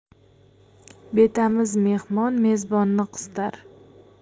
betamiz mehmon mezbonni qistar